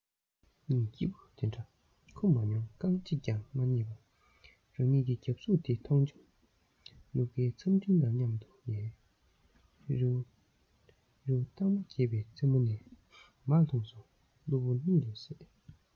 གཉིད སྐྱིད པོ འདི འདྲ ཁུག མ མྱོང རྐང གཅིག ཀྱང མ རྙེད པ རང ཉིད ཀྱི རྒྱབ གཟུགས དེ མཐོང བྱུང ནུབ ཁའི མཚམས སྤྲིན དང མཉམ དུ ཡལ རི བོ སྟག མ རྒྱས པའི རྩེ མོ ནས མར ལྷུང སོང གླུ བུར གཉིད ལས སད